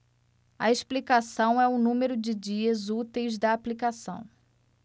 a explicação é o número de dias úteis da aplicação